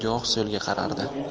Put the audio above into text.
goh so'lga qarardi